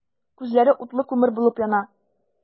Күзләре утлы күмер булып яна.